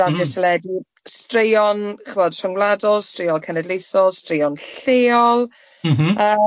...radio teledu, straeon chibod rhyngwladol, straeon cenedlaethol, straeon lleol... M-hm.